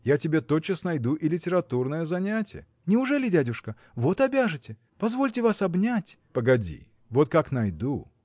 Я тебе тотчас найду и литературное занятие. – Неужели, дядюшка? вот обяжете! – позвольте вас обнять. – Погоди, вот как найду.